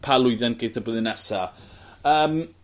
pa lwyddiant geith e blwyddyn nesa. Yym.